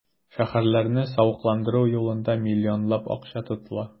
Шәһәрләрне савыкландыру юлында миллионлап акча тотыла.